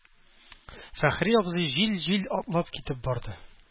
Фәхри абзый җил-җил атлап китеп барды.